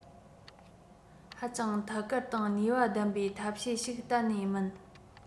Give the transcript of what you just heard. ཧ ཅང ཐད ཀར དང ནུས པ ལྡན པའི ཐབས ཤེས ཞིག གཏན ནས མིན